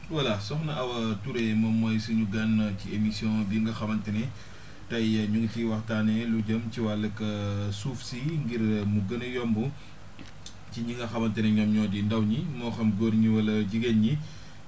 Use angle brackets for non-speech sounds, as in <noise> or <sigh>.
voilà Sokhna awa Touré moom mooy suñu gan ci émission bi nga xamante nitey ñu ngi ciy waxtaanee lu jëm ci wàllug <hesitation> suuf si ngir <hesitation> mu gën a yomb ci ñi nga xamante ne ñoom ñoo di ndaw ñi moo xam góor ñi wala jigéen ñi <breath>